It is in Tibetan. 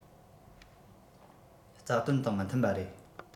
རྩ དོན དང མི མཐུན པ རེད